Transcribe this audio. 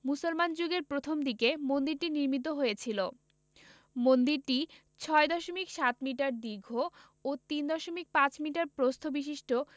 মুসলমান যুগের প্রথমদিকে মন্দিরটি নির্মিত হয়েছিল মন্দিরটি ৬ দশমিক ৭ মিটার দীর্ঘ ও ৩ দশমিক ৫ মিটার প্রস্থ বিশিষ্ট